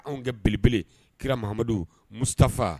Anw kɛ belebele kiraramadu mustafa